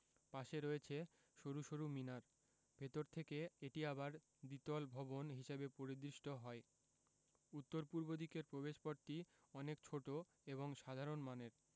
পাশে রয়েছে সরু সরু মিনার ভেতর থেকে এটি আবার দ্বিতল ভবন হিসেবে পরিদৃষ্ট হয় উত্তর পূর্ব দিকের প্রবেশপথটি অনেক ছোট এবং সাধারণ মানের